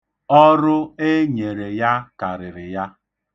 Ọrụ e nyere ya karịrị ya.